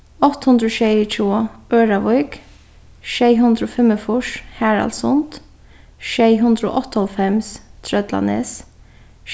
átta hundrað og sjeyogtjúgu ørðavík sjey hundrað og fimmogfýrs haraldssund sjey hundrað og áttaoghálvfems trøllanes